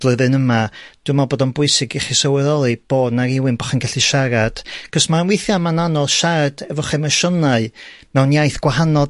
flwyddyn yma, dwi'n me'wl bod o'n bwysig i chi sylweddoli bo' 'na rywun bo' chi'n gallu siarad, 'c'os ma'n weithia' ma'n anodd siarad efo'ch emosiynau mewn iaith gwahanol